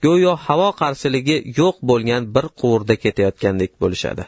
go'yo havo qarshiligi yo'q bo'lgan bir bo'sh quvurda ketayotgandek bo'lishadi